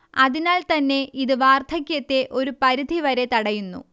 അതിനാൽ തന്നെ ഇത് വാർധക്യത്തെ ഒരു പരിധിവരെ തടയുന്നു